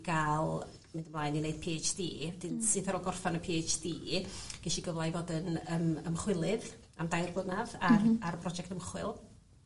ga'l mynd ymlaen i neud Pee haitch Dee 'dyn syth ar ôl gorffan y Pee haitch Dee ges i gyfla i fod yn yym ymchwilydd am dair blynadd ar... Mhm. ...ar broject ymchwil.